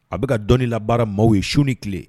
A bɛka ka dɔni lara maaw ye su ni tile